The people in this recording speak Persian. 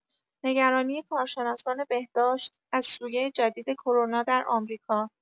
نگرانی کارشناسان بهداشت از سویه جدید کرونا در آمریکا